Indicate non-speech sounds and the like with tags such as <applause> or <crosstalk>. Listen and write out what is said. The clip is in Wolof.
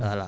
<hesitation> <hesitation>